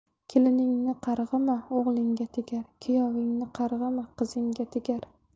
keliningni qarg'ama o'g'lingga tegar kuyovingni qarg'ama qizingga tegar